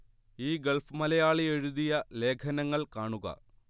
ഈ ഗൾഫ് മലയാളി എഴുതിയ ലേഖനങ്ങൾ കാണുക